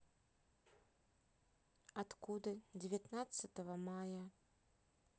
откуда девятнадцатого мая